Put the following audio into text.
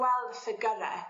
gweld ffigyre